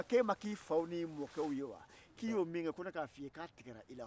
cɛkɔrɔba lanɔgɔlenba wari tɛ a kun fɔsi tɛ a kun